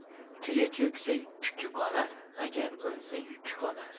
tuya cho'ksa tuki qolar agar o'lsa yuki qolar